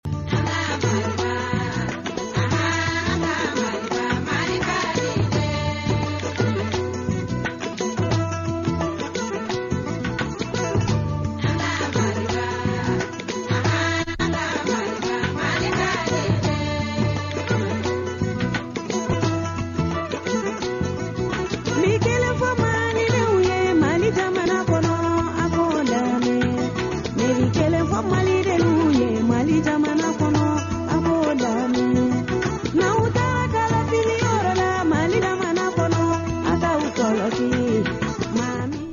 Fo ye ma jakɔrɔgolo kelen le ye ma jakɔrɔla matigi makɔrɔ